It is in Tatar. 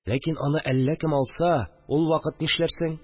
Ләкин аны әллә кем алса, ул вакыт нишләрсең